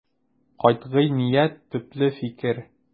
Катгый ният, төпле фикер.